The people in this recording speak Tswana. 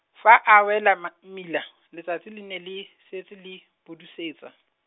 fa a wela ma- mmila, letsatsi le ne le, setse le, budusetsa.